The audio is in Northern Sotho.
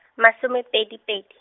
masomepedi pedi.